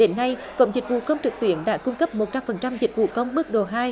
đến nay cổng dịch vụ công trực tuyến đã cung cấp một trăm phần trăm dịch vụ công mức độ hai